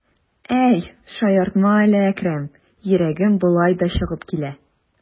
Әй, шаяртма әле, Әкрәм, йөрәгем болай да чыгып килә.